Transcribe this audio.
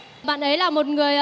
bạn ấy là một người